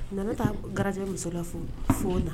Nana taa garijɛ musola fo fo na